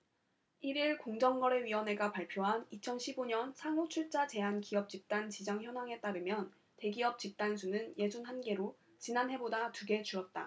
일 일 공정거래위원회가 발표한 이천 십 오 년 상호출자제한기업집단 지정현황에 따르면 대기업 집단수는 예순 한 개로 지난해보다 두 개 줄었다